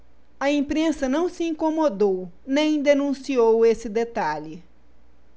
a imprensa não se incomodou nem denunciou esse detalhe